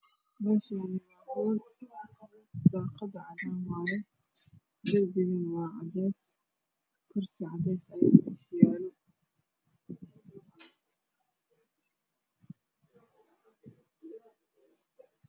Meshan waa hool daqada cadan wayay darbigan waa cades kursi cades ah aya meshayalo